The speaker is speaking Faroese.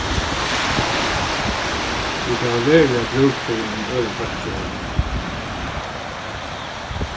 vit hava veruliga brúk fyri einum øðrum fólki her